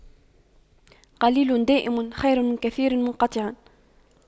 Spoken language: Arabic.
قليل دائم خير من كثير منقطع